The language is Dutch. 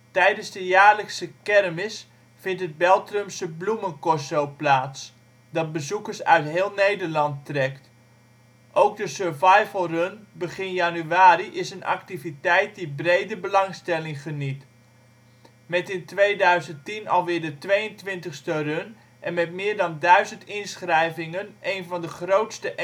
Tijdens de jaarlijkse kermis vindt het Beltrumse bloemencorso plaats, dat bezoekers uit heel Nederland trekt. Ook de survivalrun begin januari is een activiteit die brede belangstelling geniet. Met in 2010 alweer de 22e run en met meer dan 1000 inschrijvingen één van de grootste